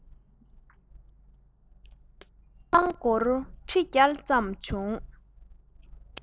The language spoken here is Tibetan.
ཁེ བཟང སྒོར ཁྲི བརྒྱ ཙམ བྱུང